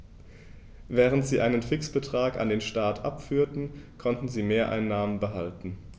Während sie einen Fixbetrag an den Staat abführten, konnten sie Mehreinnahmen behalten.